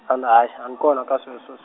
ana hayi, an kona ka sweswos-.